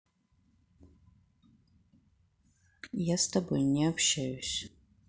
я с тобой не общаюсь